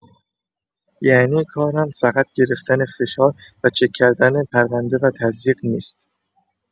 یعنی کارم فقط گرفتن فشار و چک کردن پرونده و تزریق نیست.